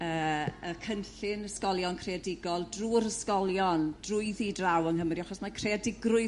yrr y cynllun ysgolion creadigol drw'r ysgolion drwyddi draw yng Nghymru achos mae creadigrwydd